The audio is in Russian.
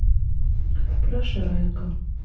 про шрека